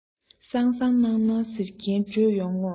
སང སང གནངས གནངས ཟེར གྱིན འགྱོད ཡོང ངོ